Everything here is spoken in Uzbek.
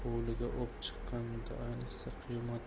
hovliga opchiqishganida ayniqsa qiyomat bo'ldi